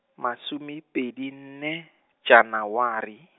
masomepedi nne, Janaware.